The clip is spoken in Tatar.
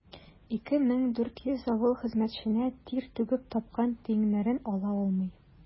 2400 авыл хезмәтчәне тир түгеп тапкан тиеннәрен ала алмый.